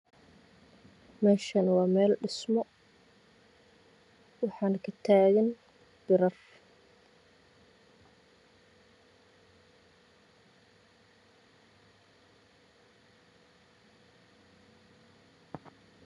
Meshan waa mel dhismo waxan katagan birara